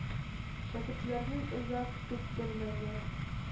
Шәкертләрне озак көттермәделәр,